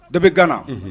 Dɔ bɛ gana